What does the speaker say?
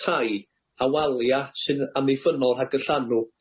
tai a walia' sydd yn amddiffynnol rhag y llanw.